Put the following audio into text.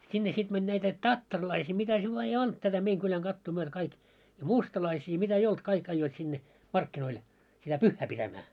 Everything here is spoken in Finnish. sinne sitten meni näitä tattarilaisia mitä se vaan ei ollut tätä meidän kylän katua myöten kaikki ja mustalaisia ja mitä ei ollut kaikki ajoivat sinne markkinoilla sitä pyhää pitämään